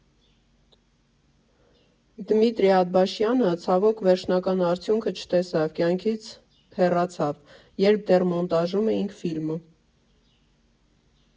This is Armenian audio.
Դմիտրի Աթբաշյանը, ցավոք, վերջնական արդյունքը չտեսավ, կյանքից հեռացավ, երբ դեռ մոնտաժում էինք ֆիլմը։